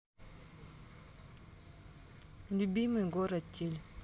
любимый город тиль